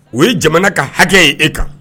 O ye jamana ka hakɛ in e kan